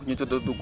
dugg nañ waaw